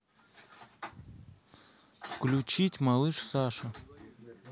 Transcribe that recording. включить малыш саша